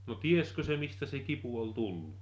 no tiesikös se mistä se kipu oli tullut